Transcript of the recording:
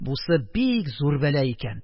Бусы бик зур бәла икән: